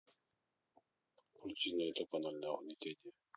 включи на ютуб анальное угнетение